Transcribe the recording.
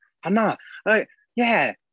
A na right, ie.